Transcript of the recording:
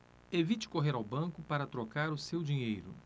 evite correr ao banco para trocar o seu dinheiro